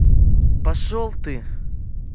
пошел ты